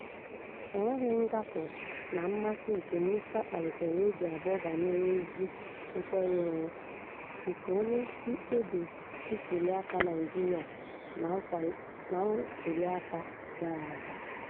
Enweghị ngakọ na mmasị nke Musa kpalitere obi abụọ banyere ezi nnwere onwe nke onye mkpebi ntụliaka Naịjirịa na ntụliaka gara aga.